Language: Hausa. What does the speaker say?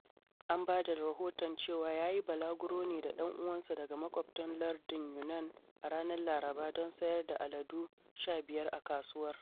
An ba da rahoton cewa ya yi bulaguro ne da ɗan uwansa daga makwaɓcin lardin Yunnan a ranar Laraba don sayar da aladu 15 a kasuwar.